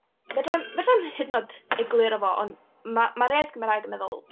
Fedra i'm fedra i'm hyd yn oed egluro fo, ond ma' ma'r iaith Gymraeg yn meddwl...